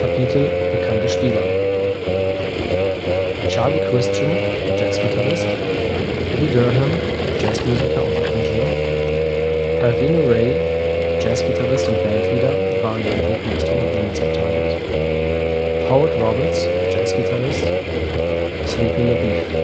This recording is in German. werden. Charlie Christian, Jazzgitarrist Eddie Durham, Jazzmusiker und - Arrangeur Alvino Rey, Jazzgitarrist und Bandleader, war an der Entwicklung des Tonabnehmers beteiligt Howard Roberts, Jazzgitarrist Sleepy LaBeef